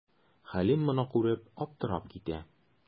Хәлим моны күреп, аптырап китә.